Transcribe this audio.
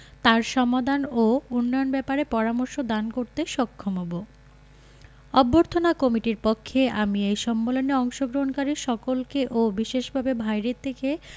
তার সমাধান ও উন্নয়ন ব্যাপারে পরামর্শ দান করতে সক্ষম হবো অভ্যর্থনা কমিটির পক্ষে আমি এই সম্মেলনে অংশগ্রহণকারী সকলকে ও বিশেষভাবে বাইরে থেকে